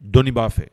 Dɔn b'a fɛ